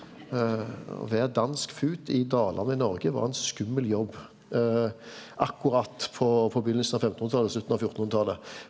å vere dansk fut i dalane i Noreg var ein skummel jobb akkurat på på byrjinga av femtenhundretalet og slutten av fjortenhundretalet.